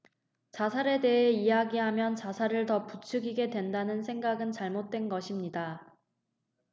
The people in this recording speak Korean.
자살에 대해 이야기하면 자살을 더 부추기게 된다는 생각은 잘못된 것입니다